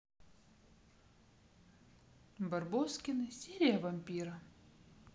барбоскины серия вампира